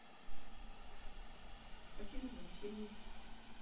спасибо за общение